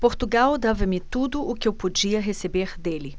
portugal dava-me tudo o que eu podia receber dele